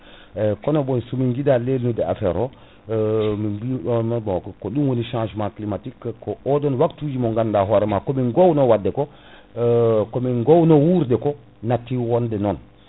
kono boy so min jiiɗa lelnude affaire o min bi on non bon ko ɗum woni changement climatique ko oɗon waptuji mo gandanɗa hoorema ko min gowno wadde ko ko min gowno wurde ko natti wonde non